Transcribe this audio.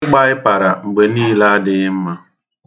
Ịgba ịpara mgbe niile ihe adịghị mma.